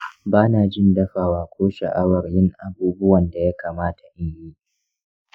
ba na jin dafawa ko sha'awar yin abubuwan da ya kamata in yi.